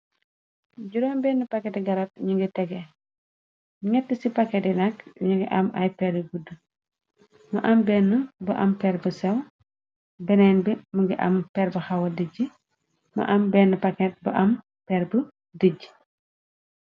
Juroom benne paketi garat ñu ngi tege ñett ci paket i nakk yuñu ngi am ay peru gudd mu am benn bu am per bu sew beneen bi mu ngi am perb xawa dijji mu am benn paket bu am perb dijj.